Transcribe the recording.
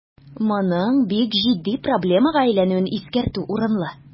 Моның бик җитди проблемага әйләнүен искәртү урынлы.